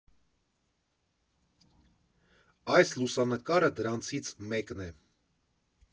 Այս լուսանկարը դրանիցից մեկն է։